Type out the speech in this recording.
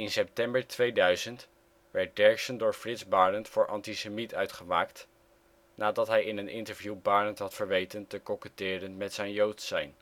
september 2000 werd Derksen door Frits Barend voor antisemiet uitgemaakt, nadat hij in een interview Barend had verweten te koketteren met zijn joods-zijn